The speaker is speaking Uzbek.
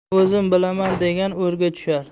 o'zim bilaman degan o'rga tushar